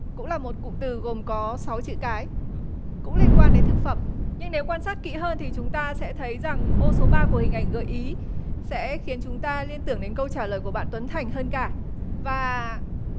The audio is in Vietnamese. cũng là một cụm từ gồm có sáu chữ cái cũng liên quan đến thực phẩm nhưng nếu quan sát kỹ hơn thì chúng ta sẽ thấy rằng ô số ba của hình ảnh gợi ý sẽ khiến chúng ta liên tưởng đến câu trả lời của bạn tuấn thành hơn cả và